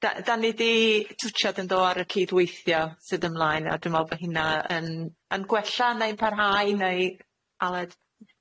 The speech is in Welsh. Da- da ni di twtsiad yndo ar y cydweithio sydd ymlaen a dwi me'wl bo' hynna yn yn gwella neu'n parhau neu Aled?